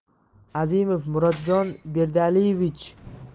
azimov murotjon berdialiyevich